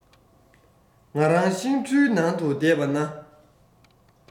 ང རང ཤིང གྲུའི ནང དུ བསྡད པ ན